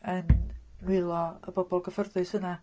Yn nwylo y bobl gyfforddus yna.